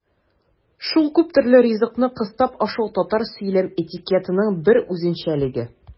Шул күптөрле ризыкны кыстап ашату татар сөйләм этикетының бер үзенчәлеге.